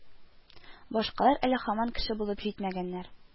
Башкалар әле һаман кеше булып җитмәгәннәр